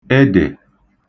edè